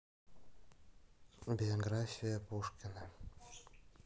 биография пушкина